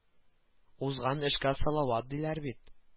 Узган эшкә салават диләр бит